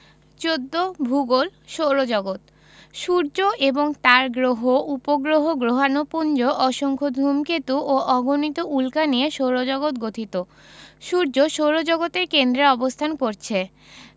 ১৪ ভূগোল সৌরজগৎ সূর্য এবং তার গ্রহ উপগ্রহ গ্রহাণুপুঞ্জ অসংখ্য ধুমকেতু ও অগণিত উল্কা নিয়ে সৌরজগৎ গঠিত সূর্য সৌরজগতের কেন্দ্রে অবস্থান করছে